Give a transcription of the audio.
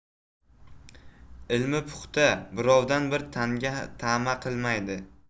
ilmi puxta birovdan bir tanga ta'ma qilmaydi